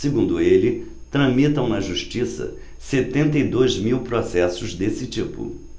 segundo ele tramitam na justiça setenta e dois mil processos desse tipo